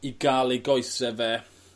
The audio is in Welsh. i gal ei goese fe